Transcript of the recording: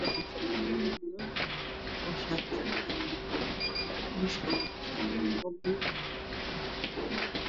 waxaa fadhiyo wilal badan oo shatiyo cadan wato miiska waxaa saran lapo puuug